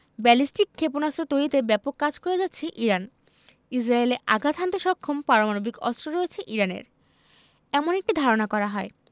ballistic ক্ষেপণাস্ত্র তৈরিতে ব্যাপক কাজ করে যাচ্ছে ইরান ইসরায়েলে আঘাত হানতে সক্ষম পারমাণবিক অস্ত্র রয়েছে ইরানের এমন একটি ধারণা করা হয়